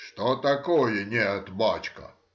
— Что такое: нет, бачка?